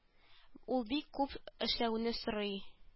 Ул бик күп эшләүне сорый